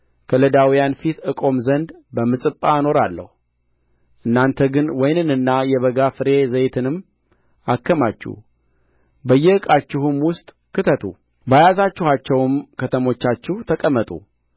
ከለዳውያን ፊት እቆም ዘንድ በምጽጳ እኖራለሁ እናንተ ግን ወይንንና የበጋ ፍሬ ዘይትንም አከማቹ በየዕቃችሁም ውስጥ ክተቱ በያዛችኋቸውም ከተሞቻችሁ ተቀመጡ